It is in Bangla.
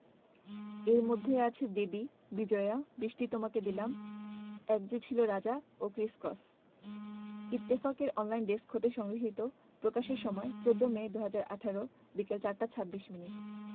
এর মধ্যে আছে দেবী বিজয়া বৃষ্টি তোমাকে দিলাম এক যে ছিল রাজা ও ক্রিস ক্রস ইত্তেফাক এর অনলাইন ডেস্ক হতে সংগৃহীত প্রকাশের সময় ১৪মে ২০১৮ বিকেল ৪টা ২৬ মিনিট